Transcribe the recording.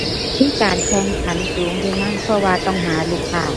มีการแข่งขันสูงอยู่นะ เพราะว่าต้องหาลูกค้า